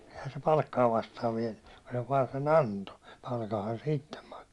eihän se palkkaa vastaan vienyt kun se vain sen antoi palkanhan se itse maksoi